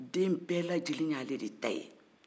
den bɛɛ lajɛlen ye ale de ta ye